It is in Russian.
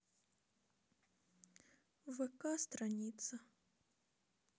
вк страница